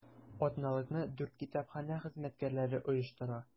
Атналыкны дүрт китапханә хезмәткәрләре оештыра.